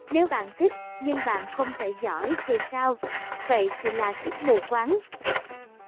nếu bạn thích nhưng bạn không thể giỏi thì sao vậy thì là thích mù quáng